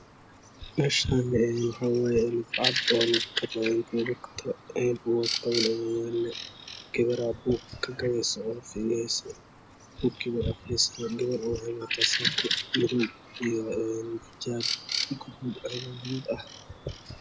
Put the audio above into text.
Meshaanw axaa wayee oacad oo lagu gado pugaagta pugaga padan ayaa yala gaoaraa puug gadeeso oo firineezo puga wey aqrineesaa gapar oo waxey wadataa saka iyo xijaap oo guduud ah